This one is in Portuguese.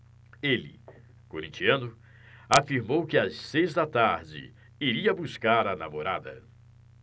ele corintiano afirmou que às seis da tarde iria buscar a namorada